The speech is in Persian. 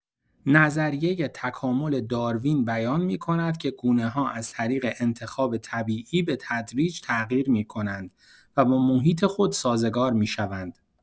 نظریه تکامل داروین بیان می‌کند که گونه‌ها از طریق انتخاب طبیعی به‌تدریج تغییر می‌کنند و با محیط خود سازگار می‌شوند.